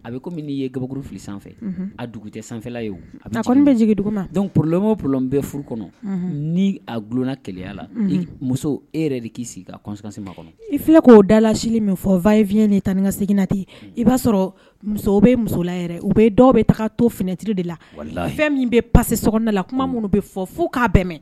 A bɛ ko kɔmi n'i ye kabakuru fili sanfɛ a dugu tɛ sanfɛfɛla ye kɔni bɛ jigin dugu ma dɔnku plama bolo bɛ furu kɔnɔ ni a glonna keya la muso e yɛrɛ de k'i sigisɔnsin kɔnɔ i filɛ k'o dalalasi min fɔ n in fiyɛn ni tan n ka seginna ten i b'a sɔrɔ musow bɛ musola yɛrɛ u bɛ dɔw bɛ taga to finɛtiri de la fɛn min bɛ pase soda la kuma minnu bɛ fɔ fo k'a bɛn mɛn